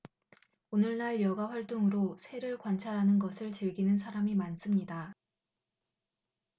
오늘날 여가 활동으로 새를 관찰하는 것을 즐기는 사람이 많습니다